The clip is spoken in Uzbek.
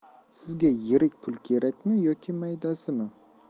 sizga yirik pul kerakmi yoki maydasimi